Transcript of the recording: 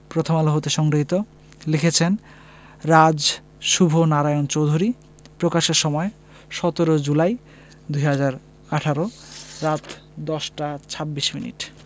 প্রথম আলো হতে সংগৃহীত লিখেছেন রাজ শুভ নারায়ণ চৌধুরী প্রকাশের সময় ১৭ জুলাই ২০১৮ রাত ১০টা ২৬ মিনিট